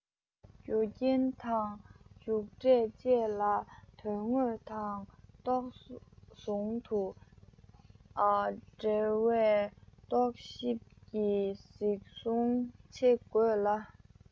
རྒྱུ རྐྱེན དང མཇུག འབྲས བཅས ལ དོན དངོས དང རྟོག བཟོ ཟུང དུ འབྲེལ བའི རྟོག ཞིབ ཀྱི མིག ཟུང ཕྱེ དགོས ལ